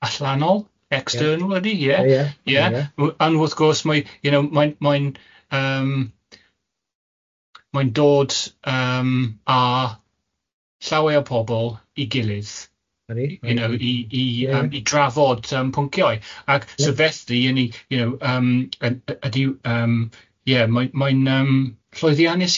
allanol, external ydy... Ie ie. ...ie ond wrth gwrs mae you know mae'n mae'n yym, mae'n dod yym â llawer o pobol i gilydd... Odi ie. ...you know i i yym i drafod yym pynciau ac so felly y'n ni you know yym y- y- ydyw yym ie mae mae'n yym llwyddiannus iawn.